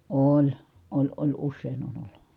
oli oli oli usein on ollut